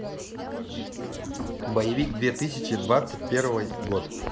боевик две тысячи двадцать первый год